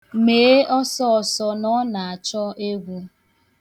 Mee osọọsọ na ọ na-achọ ịgwụ.